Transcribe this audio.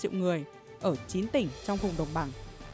triệu người ở chín tỉnh trong vùng đồng bằng